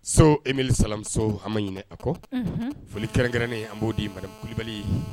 So ee salamuso ha ma ɲiniinɛ a kɔ foli kɛrɛnkɛrɛnnen ye an b'o di mali kulubali ye